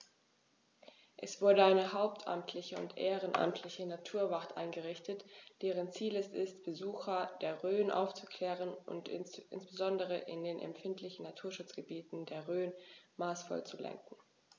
Es wurde eine hauptamtliche und ehrenamtliche Naturwacht eingerichtet, deren Ziel es ist, Besucher der Rhön aufzuklären und insbesondere in den empfindlichen Naturschutzgebieten der Rhön maßvoll zu lenken.